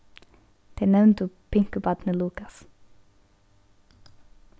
tey nevndu pinkubarnið lukas